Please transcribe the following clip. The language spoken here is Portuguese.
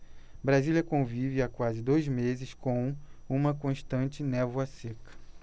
brasília convive há quase dois meses com uma constante névoa seca